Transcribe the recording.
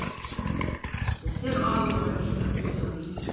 tað er sera áhugavert at fylgja við